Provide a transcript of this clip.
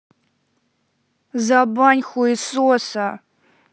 за бань хуесоса